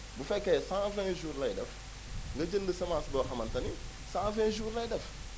bu fekkee 120 jours lay def nga jënd sa semence boo xamante ni 120 jours lay def